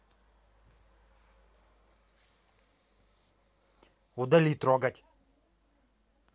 удали трогать